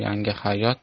yangi hayot